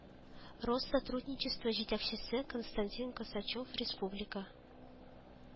Россотрудничество җитәкчесе Константин Косачев, республика